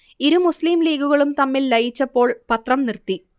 ഇരു മുസ്ലിം ലീഗുകളും തമ്മിൽ ലയിച്ചപ്പോൾ പത്രം നിർത്തി